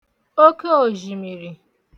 oke òzhìmìrì